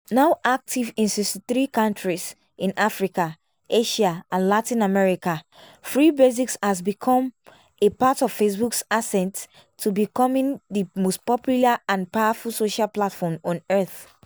Now active in 63 countries in Africa, Asia and Latin America, Free Basics has become a part of Facebook's ascent to becoming the most popular and powerful social platform on earth.